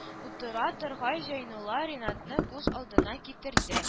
Утыра торгач зәйнулла ринатны күз алдына китерде